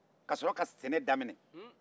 ka sɔrɔ ka sɛnɛ daminɛ